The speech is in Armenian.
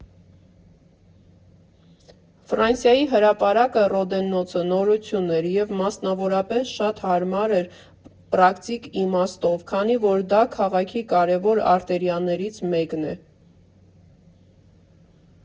Ֆրանսիայի հրապարակը՝ Ռոդեննոցը, նորություն էր, և մասնավորապես շատ հարմար էր պրակտիկ իմաստով, քանի որ դա քաղաքի կարևոր արտերիաներից մեկն է.